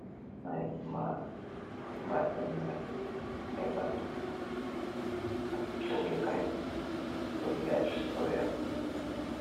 Palassu foyeh Kaye bu mak bi si Gambia fi. Palassu foyeh Kaye bu mak bi si Gambia fi. Palassu foyeh Kaye bu mak bi si Gambia fi.